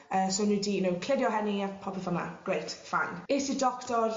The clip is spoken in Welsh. yy so o'n n'w 'di you know clirio hynny a popeth fel 'na grêt fine. Es i'r doctor